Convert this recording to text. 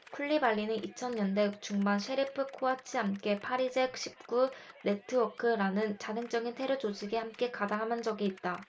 쿨리발리는 이천 년대 중반 세리프 쿠아치와 함께 파리제 십 구 구네트워크라는 자생적인 테러조직에 함께 가담한 적이 있다